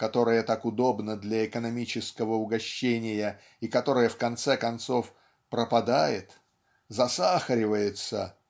которое так удобно для экономического угощения и которое в конце концов пропадает засахаривается